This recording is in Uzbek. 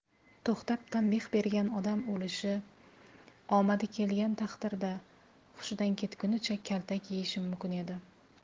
to'xtab tanbeh bergan odam o'lishi omadi kelgan taqdirda hushidan ketgunicha kaltak yeyishi mumkin edi